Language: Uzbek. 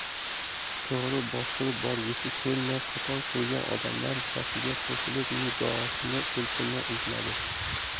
to'g'ri bostirib borgisi kelmay qator turgan odamlar safiga qo'shilib nigohini elchindan uzmadi